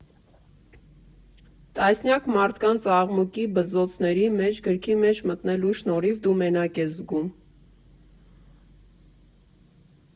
Տասնյակ մարդկանց աղմուկի, բզզոցների մեջ գրքի մեջ մտնելու շնորհիվ դու մենակ ես զգում։